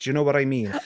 Do you know what I mean?